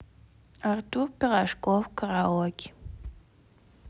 артур пирожков караоке